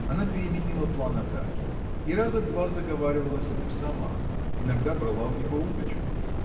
она переменила план атаки и раза два заговаривала с ним сама иногда брала у него удочку.